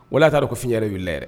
Walasa' dɔn ko f fiɲɛ yɛrɛ'ɛrɛ